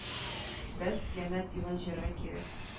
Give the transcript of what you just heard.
Бәс янә диван җыярга кирәк